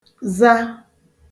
za